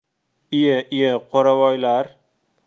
iye iye qoravoylar